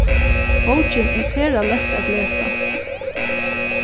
bókin er sera løtt at lesa